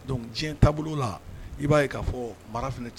Don diɲɛ taabolo la i b'a ye k kaa fɔ maraf